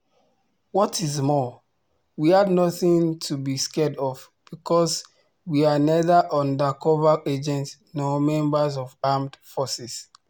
What is more, we had nothing to be scared of, because we are neither undercover agents nor members of armed forces.